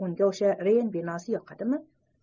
unga o'sha reyn vinosi yoqadimi